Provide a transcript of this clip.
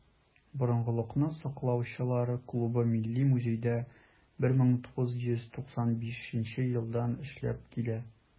"борынгылыкны саклаучылар" клубы милли музейда 1995 елдан эшләп килә.